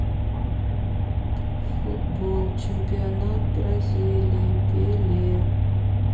футбол чемпионат бразилии пеле